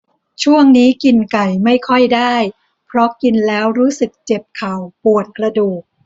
ช่วงนี้กินไก่ไม่ค่อยได้เพราะกินแล้วรู้สึกเจ็บเข่าปวดกระดูก